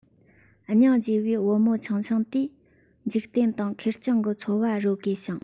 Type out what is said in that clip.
སྙིང རྗེ བའི བུ མོ ཆུང ཆུང དེས འཇིག རྟེན སྟེང ཁེར རྐྱང གིས འཚོ བ རོལ དགོས བྱུང